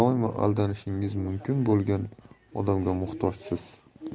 doimo aldanishingiz mumkin bo'lgan odamga muhtojsiz